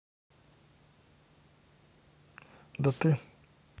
да ты